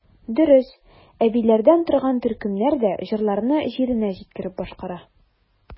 Дөрес, әбиләрдән торган төркемнәр дә җырларны җиренә җиткереп башкара.